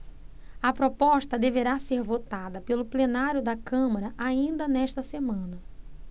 a proposta deverá ser votada pelo plenário da câmara ainda nesta semana